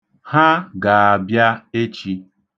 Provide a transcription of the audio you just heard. Ha ga-abịa echi.